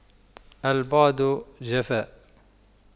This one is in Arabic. البعد جفاء